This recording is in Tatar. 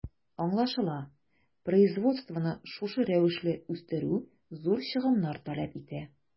Аңлашыла, производствоны шушы рәвешле үстерү зур чыгымнар таләп итә.